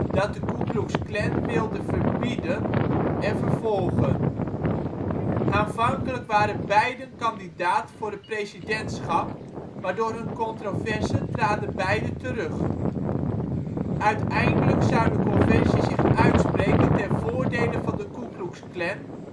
dat de Ku Klux Klan wilde verbieden en vervolgen. Aanvankelijk waren beiden kandidaat voor het presidentschap maar door hun controverse traden beiden terug. Uiteindelijk zou de conventie zich uitspreken ten voordele van de Ku Klux Klan